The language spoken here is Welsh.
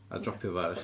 A dropio fo ara chi.